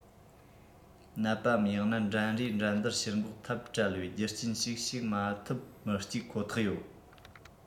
ནད པ དང ཡང ན འགྲན རའི འགྲན བསྡུར ཕྱིར འགོག ཐབས བྲལ བའི རྒྱུ རྐྱེན ཞིག ཞུགས མ ཐུབ མི གཅིག ཁོ ཐག ཡོད